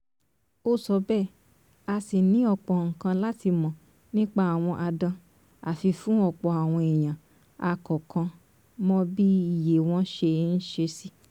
Ó sọ bẹ́ẹ̀: "A ṣì ní ọ̀pọ̀ ǹkan láti mọ̀ nípa àwọn àdán àfi fún ọ̀pọ̀ àwọn ẹ̀yà a kò kàn mọ bí iye wọn ṣe ń ṣe sí."